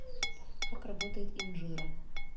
как работает инжира